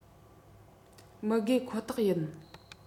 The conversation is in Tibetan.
མི དགོས ཁོ ཐག ཡིན